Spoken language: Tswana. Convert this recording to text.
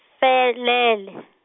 felele.